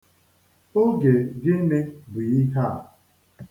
Oge gịnị bụ ihe a?